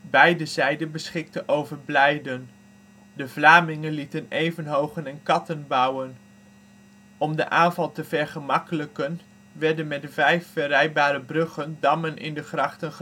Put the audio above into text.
Beide zijden beschikten over blijden. De Vlamingen lieten evenhogen en katten bouwen. Om de aanval te vergemakkelijken werden met vijf verrijdbare bruggen dammen in de grachten